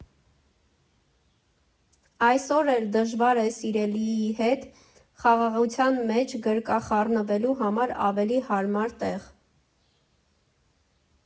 Այսօր էլ դժվար է սիրելիի հետ խաղաղության մեջ գրկախառնվելու համար ավելի հարմար տեղ։